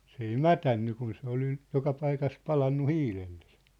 se ei mädäntynyt kun se oli nyt joka paikassa palanut hiilelle se